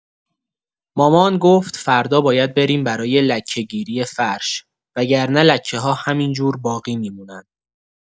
مامان گفت فردا باید بریم برای لکه‌گیری فرش وگرنه لکه‌ها همینجور باقی می‌مونن.